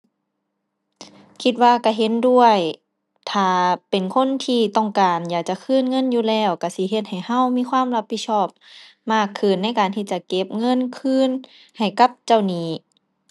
คิดว่าก็เห็นด้วย ถ้าเป็นคนที่ต้องการอยากจะคืนเงินอยู่แล้ว ก็สิเฮ็ดให้ก็มีความรับผิดชอบมากขึ้น ในการที่จะเก็บเงินคืนให้กับเจ้าหนี้